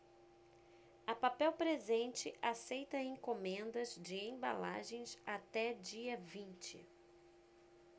a papel presente aceita encomendas de embalagens até dia vinte